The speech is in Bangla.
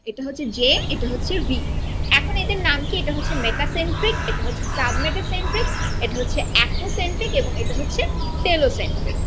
এটা হচ্ছে জে এটা হচ্ছে ভি এখন এদের নাম কি এটা হচ্ছে মেটাসেন্ট্রিক এটা হচ্ছে সাবমেটাসেন্ট্রিক এটা হচ্ছে একটোসেন্ট্রিক এবং এটা হচ্ছে টেলোসেনট্রিক